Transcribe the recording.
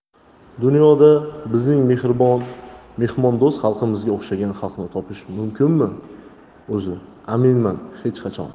dunyoda bizning mehribon mehmondo'st xalqimizga o'xshagan xalqni topish mumkinmi o'zi aminman hech qachon